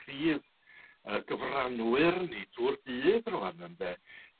prif yy gyfranwyr ni drw'r byd rŵan ynde.